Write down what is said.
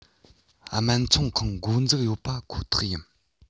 སྨན ཚོང ཁང འགོ འཛུགས ཡོད པ ཁོ ཐག ཡིན